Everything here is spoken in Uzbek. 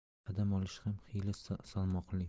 qadam olishi ham xiyla salmoqli